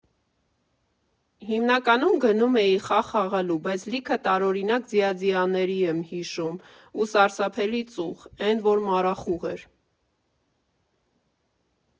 Հիմնականում գնում էի խաղ խաղալու, բայց լիքը տարօրինակ ձյաձյաների եմ հիշում ու սարսափելի ծուխ՝ էն որ մառախուղ էր։